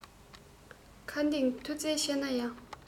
མཁའ ལྡིང མཐུ རྩལ ཆེ ན ཡང